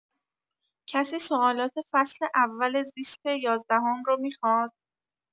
کسی سوالات فصل اول زیست یازدهم رو میخواد؟